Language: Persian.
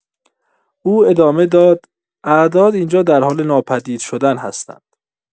او ادامه داد: - «اعداد اینجا در حال ناپدید شدن هستند!»